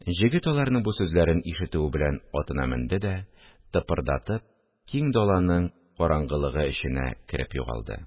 Җегет аларның бу сүзләрен ишетү белән атына менде дә, тыпырдатып, киң даланың караңгылыгы эченә кереп югалды